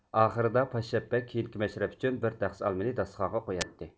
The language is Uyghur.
ئاخىرىدا پاششاپ بەگ كېيىنكى مەشرەپ ئۈچۈن بىر تەخسە ئالمىنى داستىخانغا قوياتتى